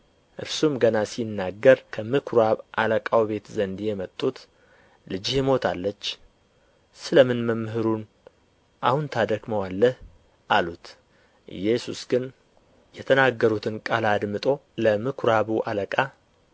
እርሱም ገና ሲናገር ከምኵራብ አለቃው ቤት ዘንድ የመጡት ልጅህ ሞታለች ስለ ምን መምህሩን አሁን ታደክመዋለህ አሉት ኢየሱስ ግን የተናገሩትን ቃል አድምጦ ለምኵራቡ አለቃ